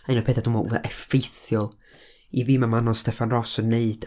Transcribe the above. a un o'r pethau dwi'n meddwl fwya effeithiol i fi ma' Manon Steffan Ros yn wneud...